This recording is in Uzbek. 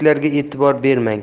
kamchiliklarga e'tibor bermang